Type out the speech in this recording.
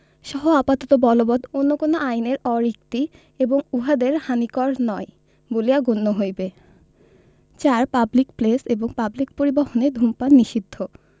সহ আপাতত বলবৎ অন্য কোন আইন এর অরিক্তি এবংউহাদের হানিকর নয় বলিয়া গণ্য হইবে ৪ পাবলিক প্লেস এবং পাবলিক পরিবহণে ধূমপান নিষিদ্ধ